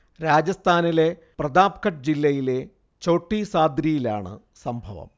രാജസ്ഥാനിലെ പ്രതാപ്ഖഡ് ജില്ലയിലെ ഛോട്ടി സാദ്രിയിലാണ് സംഭവം